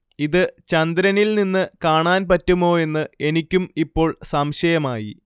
ഇത് ചന്ദ്രനിൽ നിന്നു കാണാൻ പറ്റുമോയെന്ന് എനിക്കും ഇപ്പോൾ സംശയമായി